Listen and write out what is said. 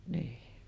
niin